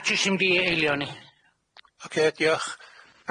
Jyst yn mynd i eilio o'n i. Ocê, diolch.